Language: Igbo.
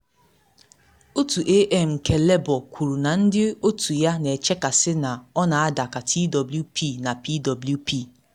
Otu AM nke Labour kwuru na ndị otu ya na echekasị na “ọ na ada ka Twp na Pwp.”